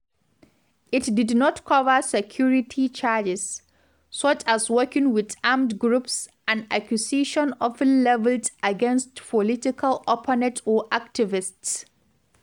It did not cover security charges, such as working with armed groups — an accusation often levelled against political opponents or activists.